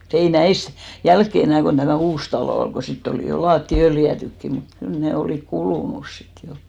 mutta ei näissä jälkeen enää kun tämä uusi talo oli kun sitten oli jo lattiat öljytytkin niin mutta kyllä ne olivat kulunut sitten jo